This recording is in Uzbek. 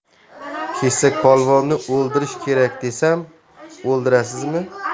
kesakpolvonni o'ldirish kerak desam o'ldirasizmi